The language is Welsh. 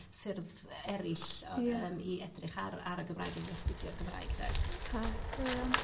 ffyrdd eryll... Ie. ...o yym i edrych ar y ar y Gymraeg neu i astudio'r Gymraeg 'de. Oce brilliant.